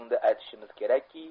unda aytishimiz kerakki